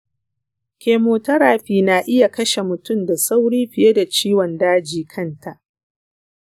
chemotherapy na iya kashe mutum da sauri fiye da ciwon daji kanta.